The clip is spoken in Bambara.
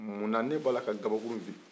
munna ne b'a la ka gabakuru in fili